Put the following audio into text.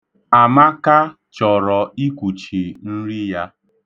Amaka chọrọ ikwuchi nri ya.